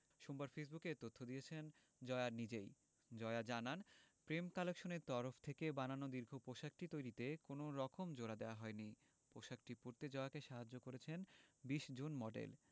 সোমবার ফেসবুকে এ তথ্য দিয়েছেন জয়া নিজেই জয়া জানান প্রেম কালেকশন এর তরফ থেকে বানানো দীর্ঘ পোশাকটি তৈরিতে কোনো রকম জোড়া দেয়া হয়নি পোশাকটি পরতে জয়াকে সাহায্য করেছেন ২০ জন মডেল